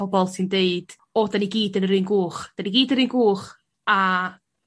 pobol sy'n deud o 'dyn ni gyd yn yr un gwch 'dyn ni gyd yr un gwch a